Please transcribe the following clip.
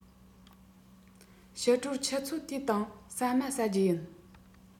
ཕྱི དྲོར ཆུ ཚོད དུའི སྟེང ཟ མ ཟ རྒྱུ ཡིན